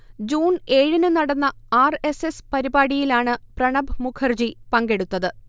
June ഏഴിന് നടന്ന R. S. S പരിപാടിയിലാണ് പ്രണബ് മുഖർജി പങ്കെടുത്തത്